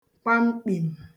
kwamkpìm